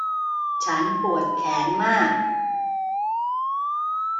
ฉันปวดแขนมาก